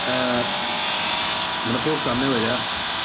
Yy ma' 'na program newydd ia?